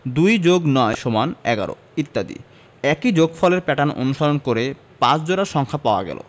২যোগ৯সমান১১ ইত্যাদি একই যোগফলের প্যাটার্ন অনুসরণ করে ৫ জোড়া সংখ্যা পাওয়া গেল